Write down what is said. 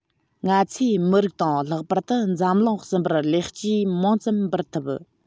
ང ཚོས མིའི རིགས དང ལྷག པར དུ འཛམ གླིང གསུམ པར ལེགས སྐྱེས མང ཙམ འབུལ ཐུབ